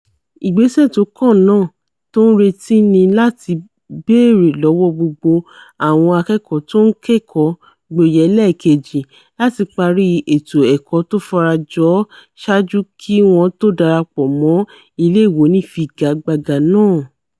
Ìgbésẹ̀ tókàn náà, tó ńretí, ni láti bèèrè lọ́wọ́́ gbogbo àwọn akẹ́kọ̀ọ́ tó ńkẹ́kọ̀ọ́ gboye ẹlẹ́ẹ̀kejì láti parí ètò ẹ̀kọ́ tófarajọ́ ọ saáju kí wọ́n to ́darapọ̀ mọ́ ilé ìwé onífiga-gbága náà.